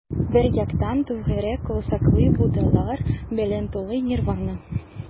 Бер яктан - түгәрәк корсаклы буддалар белән тулы нирвана.